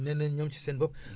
nee na ñoom si seen bopp